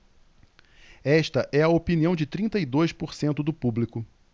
esta é a opinião de trinta e dois por cento do público